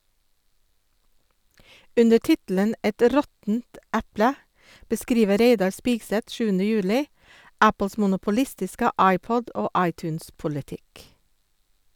Under tittelen «Et råttent eple» beskriver Reidar Spigseth 7. juli Apples monopolistiske iPod- og iTunes-politikk.